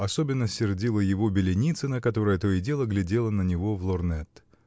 особенно сердила его Беленицына, которая то и дело глядела на него в лорнет.